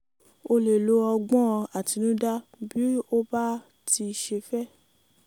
O lè lo ọgbọ́n àtinúdá bí ó bá ti ṣe fẹ́.